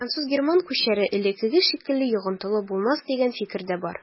Француз-герман күчәре элеккеге шикелле йогынтылы булмас дигән фикер дә бар.